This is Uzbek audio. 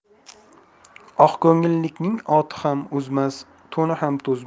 oqko'ngillikning oti ham ozmas to'ni ham to'zmas